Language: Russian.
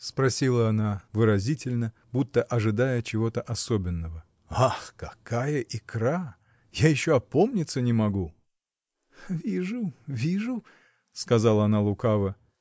— спросила она выразительно, будто ожидая чего-то особенного. — Ах, какая икра! Я еще опомниться не могу! — Вижу. вижу! — сказала она лукаво.